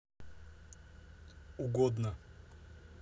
угодно